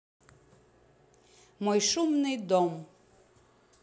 мой шумный дом